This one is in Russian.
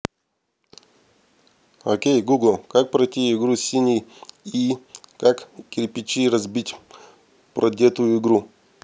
окей google как пройти игру синий ii как кирпичи разбить продетую игру